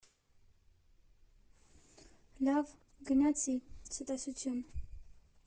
Լավ, գնացի, ցտեսություն։